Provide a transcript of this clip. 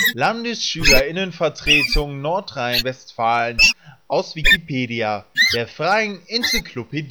LandesschülerInnenvertretung NRW, aus Wikipedia, der freien Enzyklopädie